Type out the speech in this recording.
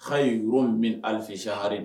Haliyi yɔrɔ min bɛ alizsi ha